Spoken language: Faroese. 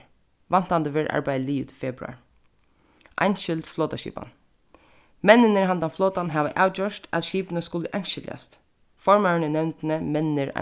væntandi verður arbeiðið liðugt í februar einskild flotaskipan menninir handan flotan hava avgjørt at skipini skulu einskiljast formaðurin í nevndini mennir